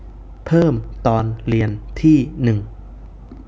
เพิ่มตอนเรียนที่หนึ่ง